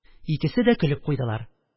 Икесе дә көлеп куйдылар.